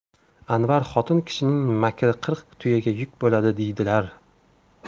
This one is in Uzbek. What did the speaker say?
anvar xotin kishining makri qirq tuyaga yuk bo'ladi deydilar